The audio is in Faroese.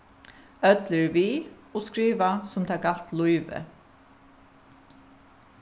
øll eru við og skriva sum tað galt lívið